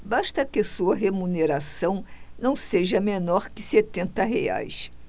basta que sua remuneração não seja menor que setenta reais